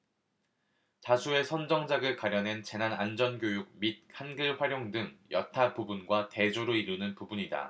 다수의 선정작을 가려낸 재난안전교육 및 한글 활용 등 여타 부문과 대조를 이루는 부분이다